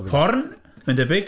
Porn? Mae'n debyg!